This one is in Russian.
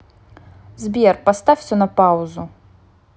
сбер поставь на все на паузу